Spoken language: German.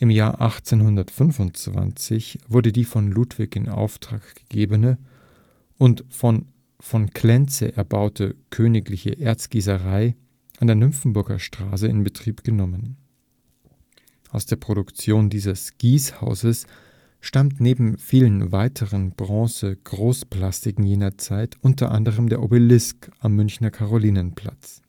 Jahr 1825 wurde die von Ludwig in Auftrag gegebene und von v. Klenze erbaute Königliche Erzgießerei an der Nymphenburger Straße in Betrieb genommen. Aus der Produktion dieses Gießhauses stammt neben vielen weiteren Bronze-Großplastiken jener Zeit unter anderem der Obelisk am Münchner Karolinenplatz